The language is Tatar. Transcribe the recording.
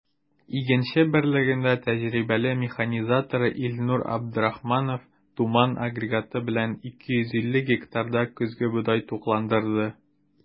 “игенче” берлегендә тәҗрибәле механизатор илнур абдрахманов “туман” агрегаты белән 250 гектарда көзге бодай тукландырды.